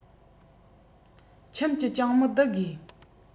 ཁྱིམ གྱི ཅང མི བསྡུ དགོས